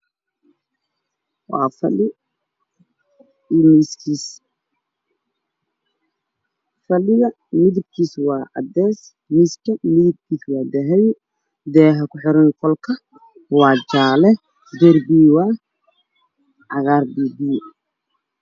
waa fadhi iyo miiskiis fadhiga midabkiisa waa cadeys miiska midabkiisa waa dahabi daaha ku xiran qolka waa jaale darbiga waa cagaar biyo